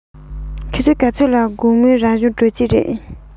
ཆུ ཚོད ག ཚོད ལ དགོང མོའི རང སྦྱོང གྲོལ གྱི རེད